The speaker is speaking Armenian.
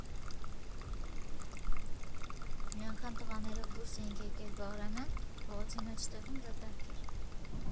Մի անգամ տղաներով դուրս էինք եկել Բաղրամյան, փողոցի մեջտեղում դատարկ էր.